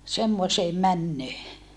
semmoiseen menoon